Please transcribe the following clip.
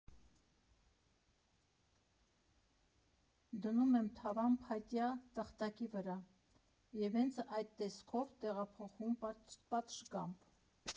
Դնում եմ թավան փայտյա տախտակի վրա և հենց այդ տեսքով տեղափոխվում պատշգամբ։